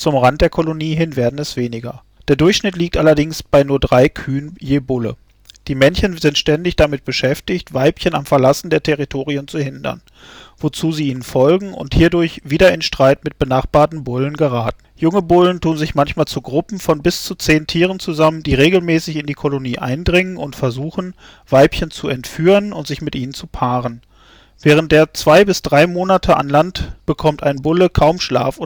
Rand der Kolonie hin wird es weniger. Der Durchschnitt liegt allerdings bei nur drei Kühen je Bulle. Die Männchen sind ständig damit beschäftigt, Weibchen am Verlassen der Territorien zu hindern, wozu sie ihnen folgen und hierdurch wieder in Streit mit benachbarten Bullen geraten. Junge Bullen tun sich manchmal zu Gruppen von bis zu zehn Tieren zusammen, die regelmäßig in die Kolonie eindringen und versuchen, Weibchen zu entführen und sich mit ihnen zu paaren. Während der zwei bis drei Monate an Land bekommt ein Bulle kaum Schlaf